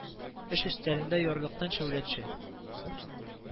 Эш өстәлендә ярлыктан шәүлә төшә